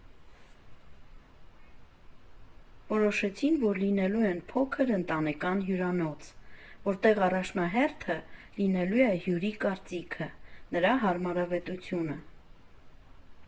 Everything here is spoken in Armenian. Որոշեցին, որ լինելու են փոքր, ընտանեկան հյուրանոց, որտեղ առաջնահերթը լինելու է հյուրի կարծիքը, նրա հարմարավետությունը։